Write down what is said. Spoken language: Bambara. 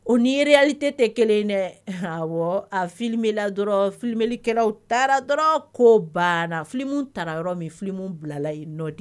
O ni realité tɛ kelen ye dɛ, ɛhɛn, awɔ A film la dɔrɔnw, filmer kɔlaw taala dɔrnw, kow banna yen . film tala yɔrɔ min , filim ko bilala in nɔ.